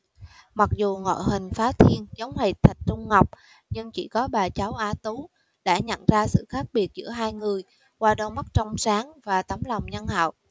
mặc dù ngoại hình phá thiên giống hệt thạch trung ngọc nhưng chỉ có bà cháu a tú đã nhận ra sự khác biệt giữa hai người qua đôi mắt trong sáng và tấm lòng nhân hậu